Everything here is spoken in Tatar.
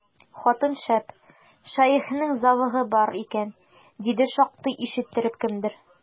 Хатын шәп, шәехнең зәвыгы бар икән, диде шактый ишеттереп кемдер.